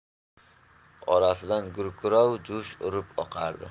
orasidan gurkurov jo'sh urib oqardi